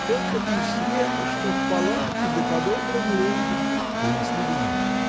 Только и света, что в палате да по добрым людям. Принесли вино.